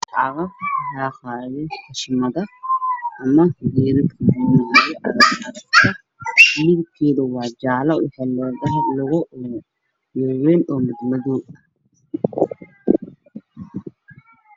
Waa cagaf xaaqaayo qashin ama geedo midabkeedu waa jaale waxay leedahay lugo waaweyn oo madow ah.